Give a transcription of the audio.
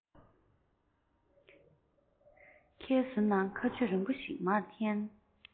ཁའི ཟུར ནས ཁ ཆུ རིང པོ ཞིག མར འཐེན